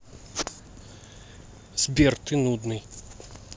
сбер ты нудный